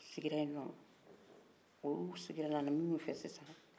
ulu sigira ye nɔn ulu sigira ani minun filɛ sisan